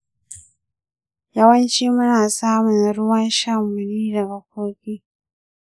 yawanci muna samun ruwan shanmu ne daga kogi.